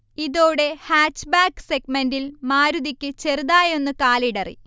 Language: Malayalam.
ഇതോടെ ഹാച്ച്ബാക്ക് സെഗ്മന്റെിൽ മാരുതിക്ക് ചെറുതായൊന്ന് കാലിടറി